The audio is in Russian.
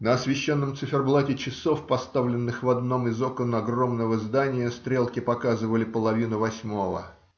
На освещенном циферблате часов, поставленных в одном из окон огромного здания, стрелки показывали половину восьмого.